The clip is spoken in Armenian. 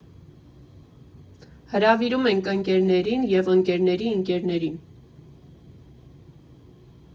Հրավիրում ենք ընկերներին և ընկերների ընկերներին։